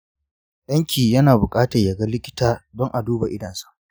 danki yana bukatan yaga likita don a duba idonsa.